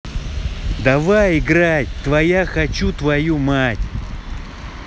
давай играть твоя хочу твою мать